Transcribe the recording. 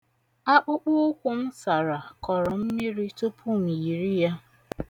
Akpụụkwụ m sara kọrọ mmiri tupu m yiri ya.